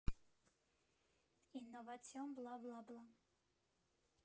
Իննովացիոն բլա բլա բլա։